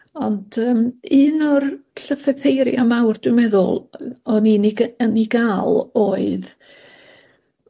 ond yym un o'r llythytheiria mawr dwi'n meddwl o- o'n i'n 'i gy- yn 'i ga'l oedd